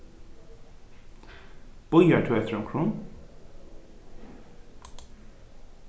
bíðar tú eftir onkrum